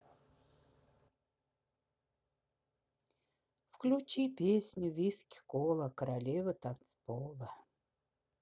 включи песню виски кола королева танцпола